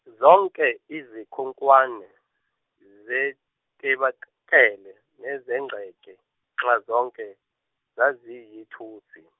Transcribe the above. zonke izikhonkwane, zetebakele nezegceke, nxazonke, zaziyithusi.